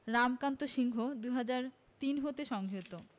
রামকান্ত সিংহ ২০০৩ হতে সংগৃহীত